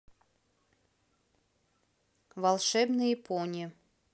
волшебные пони